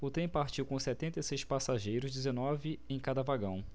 o trem partiu com setenta e seis passageiros dezenove em cada vagão